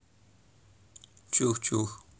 чух чух